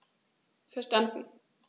Verstanden.